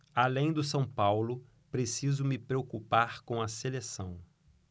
além do são paulo preciso me preocupar com a seleção